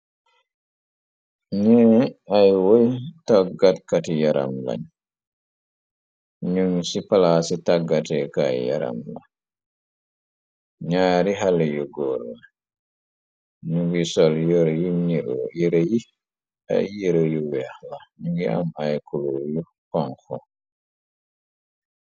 N'ie ay wey tàggatkati yaram lañ ñun ci palaa ci tàggati kay yaram la ñaari xale yu góorla nungiy sol yor yu niu yre yi ay yëre yu weex la ñu ngi am ay kulu yu ponko.